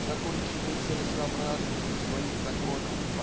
в законченной целесообразности своих законов